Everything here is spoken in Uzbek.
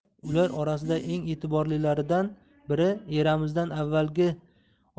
ular orasida eng e'tiborlilaridan biri eramizdan avvalgi